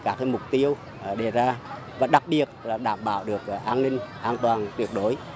mục tiêu đề ra và đặc biệt là đảm bảo được về an ninh an toàn tuyệt đối